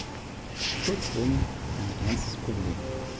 Kurzum, ein ernstes Problem.